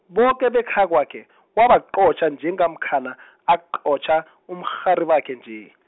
boke bekhakwakhe , wabaqotjha njengamkhana , aqotjha , umrharibakhe nje.